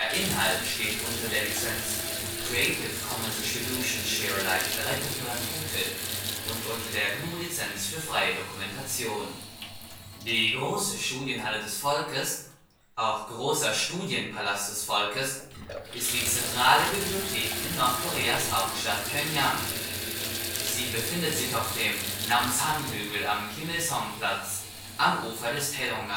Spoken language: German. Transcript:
Inhalt steht unter der Lizenz Creative Commons Attribution Share Alike 3 Punkt 0 Unported und unter der GNU Lizenz für freie Dokumentation. Große Studienhalle des Volkes Koreanisches Alphabet: 인민대학습당 Hanja: 人民大學習堂 Revidierte Romanisierung: Inmin Daehak Seupdang McCune-Reischauer: Inmin Taehak Sǔpdang Die Große Studienhalle des Volkes (auch Großer Studienpalast des Volkes) ist die zentrale Bibliothek in Nordkoreas Hauptstadt Pjöngjang. Sie befindet sich auf dem Namsan-Hügel am Kim-Il-sung-Platz, am Ufer des Taedong-gang